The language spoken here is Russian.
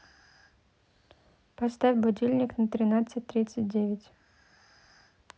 поставь будильник на тринадцать тридцать девять